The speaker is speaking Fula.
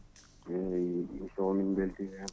eyyi émission o min beltima hen